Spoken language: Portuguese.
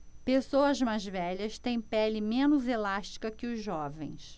pessoas mais velhas têm pele menos elástica que os jovens